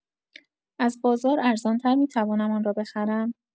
از بازار ارزان‌تر می‌توانم آن را بخرم؟